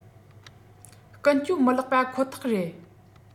ཀུན སྤྱོད མི ལེགས པ ཁོ ཐག རེད